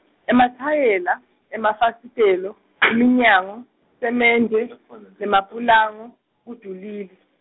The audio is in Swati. emathayela, emafasitelo, iminyango, semende, nemapulango kudulile.